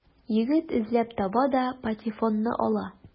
Егет эзләп таба да патефонны ала.